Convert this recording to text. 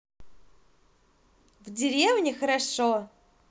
в деревне хорошо